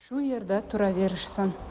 shu yerda turaverishsin